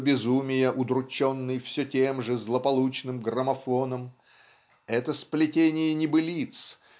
до безумия удрученный все тем же злополучным граммофоном это сплетение небылиц